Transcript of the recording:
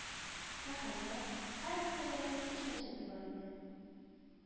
Мәхәллә, һәр мәхәлләнең үз мәчете бар иде